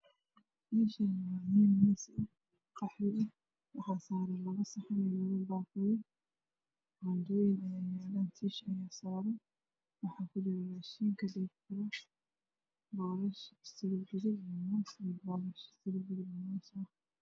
Meeshaani waa meel miis qaxwi ah waxaa yaalo